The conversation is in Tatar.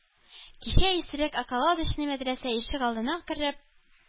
Кичә исерек околодочный мәдрәсә ишек алдына кереп,